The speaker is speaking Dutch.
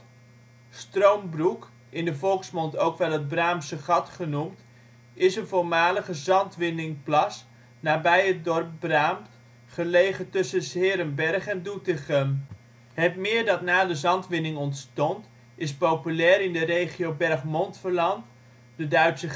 Stroombroek, in de volksmond ook wel het Braamtse Gat genoemd, is een voormalige zandwinningplas nabij het dorp Braamt, gelegen tussen ' s-Heerenberg en Doetinchem. Het meer dat na de zandwinning ontstond, is populair in de regio Bergh/Montferland, de Duitse